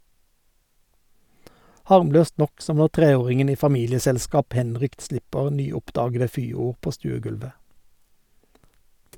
Harmløst nok, som når treåringen i familieselskap henrykt slipper nyoppdagede fyord på stuegulvet.